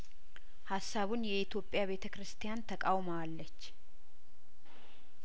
ሀሳቡን የኢትዮጵያ ቤተ ክርስቲያን ተቃውማ ዋለች